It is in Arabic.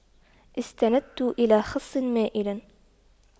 استندت إلى خصٍ مائلٍ